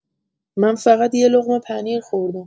من فقط یه لقمه پنیر خوردم.